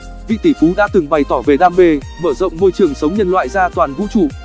vị tỷ phú đã từng bày tỏ về đam mê mở rộng môi trường sống nhân loại ra toàn vũ trụ